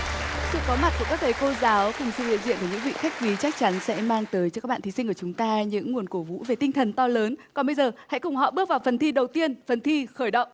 sự có mặt của các thầy cô giáo cùng sự hiện diện của những vị khách quý chắc chắn sẽ mang tới cho các bạn thí sinh của chúng ta những nguồn cổ vũ về tinh thần to lớn còn bây giờ hãy cùng họ bước vào phần thi đầu tiên phần thi khởi động